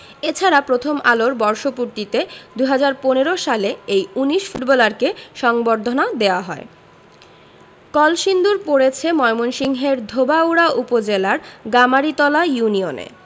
এ ছাড়া প্রথম আলোর বর্ষপূর্তিতে ২০১৫ সালে এই ১৯ ফুটবলারকে সংবর্ধনা দেওয়া হয় কলসিন্দুর পড়েছে ময়মনসিংহের ধোবাউড়া উপজেলার গামারিতলা ইউনিয়নে